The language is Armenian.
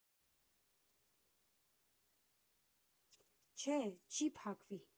Չէ, չի փակվի։